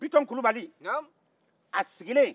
bitɔn kulibali a sigilen